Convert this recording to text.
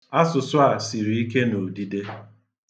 Asụsụ a siri ike n'odide.